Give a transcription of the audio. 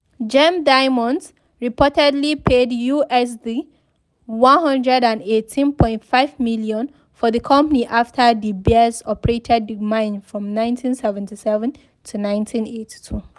Gem Diamonds reportedly paid USD 118.5 million for the company after De Beers operated the mine from 1977 to 1982.